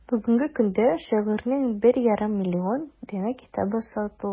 Бүгенге көндә шагыйрәнең 1,5 миллион данә китабы сатылган.